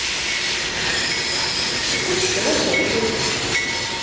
и пусть все нам завидуют